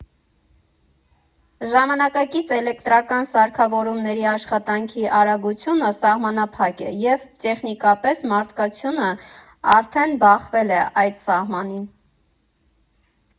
Ժամանակակից էլեկտրական սարքավորումների աշխատանքի արագությունը սահմանափակ է, և տեխնիկապես մարդկությունն արդեն բախվել է այդ սահմանին։